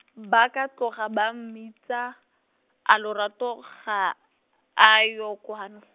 ba ka tloga ba mmitsa, a Lorato ga, a yo kwano?